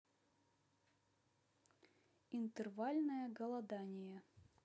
интервальное голодание